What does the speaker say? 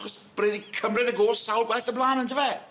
Achos bod e di cymryd y go sawl gwaith o'r bla'n on' dyfe?